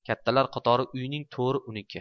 kattalar qatori uyning to'ri uniki